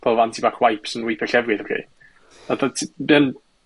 ...fel 'fo anti-bac wipes yn weipio llefrith chi, ac doedd ti ddim...